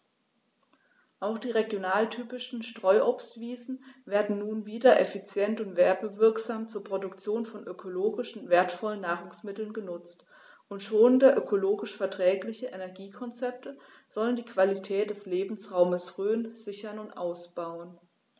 Auch die regionaltypischen Streuobstwiesen werden nun wieder effizient und werbewirksam zur Produktion von ökologisch wertvollen Nahrungsmitteln genutzt, und schonende, ökologisch verträgliche Energiekonzepte sollen die Qualität des Lebensraumes Rhön sichern und ausbauen.